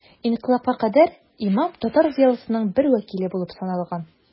Инкыйлабка кадәр имам татар зыялысының бер вәкиле булып саналган.